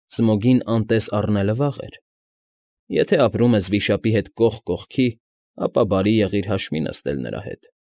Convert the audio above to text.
Սմոգին անտես առնելը վաղ էր։ Եթե ապրում ես վիշապի հետ կողք կողքի, ապա բարի եղիր հաշվի նստել նրա հետ։